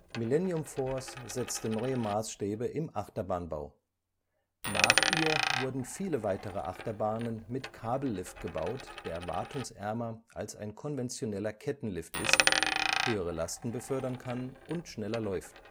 Millennium Force setzte neue Maßstäbe im Achterbahnbau. Nach ihr wurden viele weitere Achterbahnen mit Kabellift gebaut, der wartungsärmer als ein konventioneller Kettenlift ist, höhere Lasten befördern kann und schneller läuft